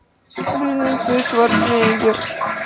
близнецы шварценеггер